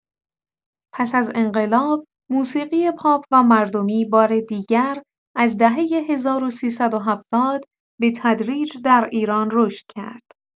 پس از انقلاب، موسیقی پاپ و مردمی بار دیگر از دهۀ ۱۳۷۰ به‌تدریج در ایران رشد کرد.